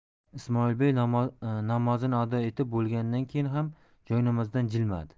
ismoilbey namozni ado etib bo'lganidan keyin ham joynamozdan jilmadi